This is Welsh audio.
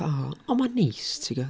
O, ond mae'n neis tibod?